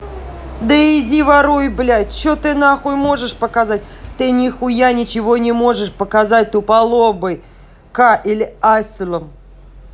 да иди воруй блядь че ты нахуй можешь показать ты нихуя ничего не можешь показать туполобый ка и asylum